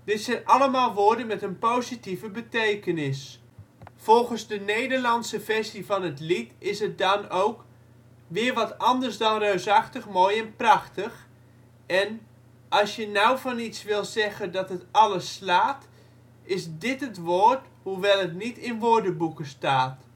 zijn allemaal woorden met een positieve betekenis. Volgens de Nederlandse versie van het lied is het dan ook " weer wat anders dan reusachtig, mooi en prachtig " en " als je nou van iets wil zeggen dat het alles slaat, is dit het woord hoewel het niet in woordenboeken staat